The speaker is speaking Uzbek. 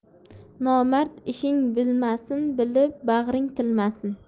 nomard ishing bilmasin bilib bag'ring tilmasin